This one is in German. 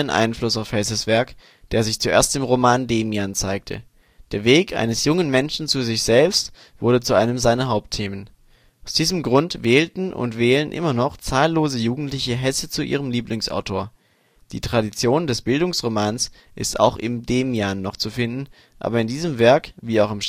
Einfluß auf Hesses Werk, der sich zuerst im Roman " Demian " zeigte: Der Weg eines jungen Menschen zu sich selbst wurde zu einem seiner Hauptthemen. Aus diesem Grund wählten und wählen immer noch zahllose Jugendliche Hesse zu ihrem Lieblingsautor. Die Tradition des Bildungsromans ist auch im " Demian " noch zu finden, aber in diesem Werk (wie auch im " Steppenwolf